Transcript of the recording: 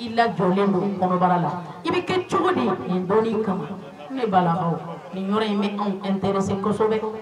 I lajɔlen do kɔnɔbara la i bɛ kɛ cogo nin kama ne balakaw nin yɔrɔ in